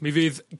mi fydd